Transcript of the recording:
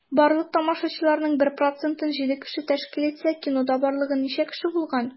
Барлык тамашачыларның 1 процентын 7 кеше тәшкил итсә, кинода барлыгы ничә кеше булган?